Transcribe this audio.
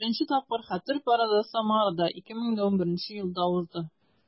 Беренче тапкыр Хәтер парады Самарада 2011 елда узды.